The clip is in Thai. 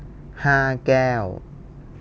ห้าแก้ว